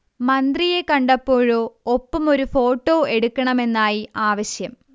മന്ത്രിയെ കണ്ടപ്പോഴോ ഒപ്പമൊരു ഫോട്ടോ എടുക്കണമെന്നായി ആവശ്യം